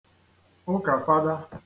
ụkafada